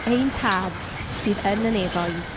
Ein tad sydd yn y nefoedd.